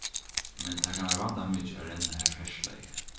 men tað kann vera vandamikið at renna har ferðsla er